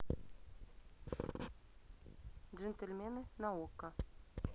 джентельмены на окко